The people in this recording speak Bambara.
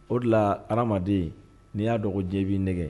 O de la adamaden ni ya dɔn ko diɲɛ bi nɛgɛn.